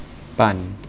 ปั่น